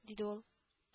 – диде ул